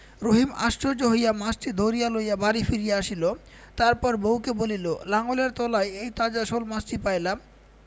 রহিম আশ্চর্য হইয়া মাছটি ধরিয়া লইয়া বাড়ি ফিরিয়া আসিল তারপর বউকে বলিল লাঙলের তলায় এই তাজা শোলমাছটি পাইলাম